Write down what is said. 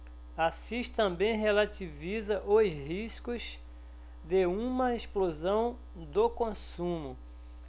assis também relativiza os riscos de uma explosão do consumo